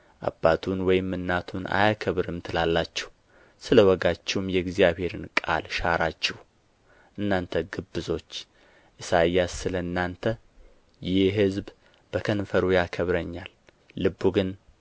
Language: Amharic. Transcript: አባቱን ወይም እናቱን አያከብርም ትላላችሁ ስለ ወጋችሁም የእግዚአብሔርን ቃል ሻራችሁ እናንተ ግብዞች ኢሳይያስ ስለ እናንተ ይህ ሕዝብ በከንፈሩ ያከብረኛል ልቡ ግን